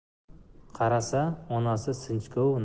qarasa onasi sinchkov